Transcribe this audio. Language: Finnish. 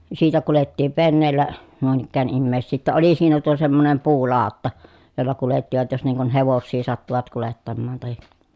siitä kuljettiin veneellä noin ikään ihmisiä että oli siinä tuo semmoinen puulautta jolla kuljettivat jos niin kuin hevosia sattuivat kuljettamaan tai